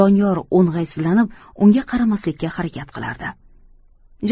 doniyor o'ng'aysizlanib unga qaramaslikka harakat qilardi